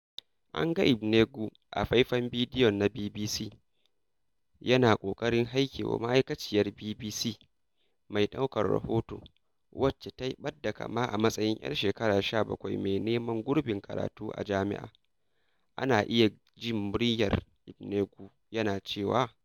An ga Igbeneghu a faifan bidiyon na BBC yana ƙoƙarin haikewa ma'aikaciyar BBC mai ɗaukan rahoto wacce ta yi ɓadda kama a matsayin 'yar shekara 17 mai neman gurbin karatu a jami'a. Ana iya jin muryar Igbeneghu yana cewa: